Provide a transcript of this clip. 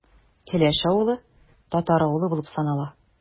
Келәш авылы – татар авылы булып санала.